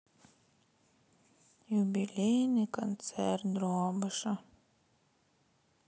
юбилейный концерт дробыша